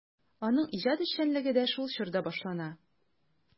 Аның иҗат эшчәнлеге дә шул чорда башлана.